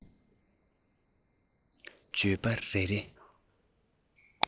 བརྗོད པ རེ རེ